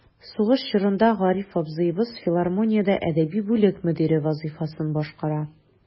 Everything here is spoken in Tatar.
Сугыш чорында Гариф абзыебыз филармониядә әдәби бүлек мөдире вазыйфасын башкара.